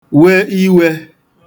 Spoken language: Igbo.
we iwē